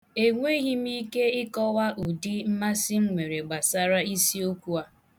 Enweghi m ike ịkọwa ụdị mmasị m nwere gbasara isiokwu a.